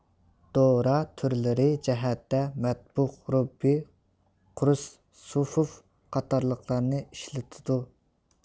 دورا تۈرلىرى جەھەتتە مەتبۇخ رۇببى قۇرس سۇفۇف قاتارلىقلارنى ئىشلىتىدۇ